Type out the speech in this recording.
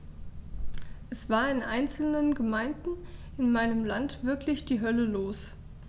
Es war in einzelnen Gemeinden in meinem Land wirklich die Hölle los.